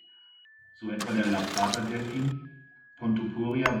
so etwa der La-Plata-Delfin (Pontoporia blainvillei